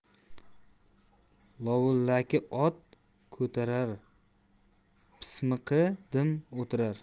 lovullaki ot ko'tarar pismiqi dim o'tirar